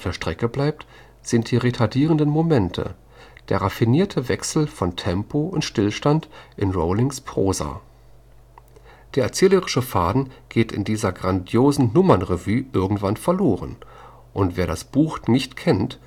Strecke bleibt, sind die retardierenden Momente, der raffinierte Wechsel von Tempo und Stillstand in Rawlings Prosa. Der erzählerische Faden geht in dieser grandiosen Nummernrevue irgendwann verloren, und wer das Buch nicht kennt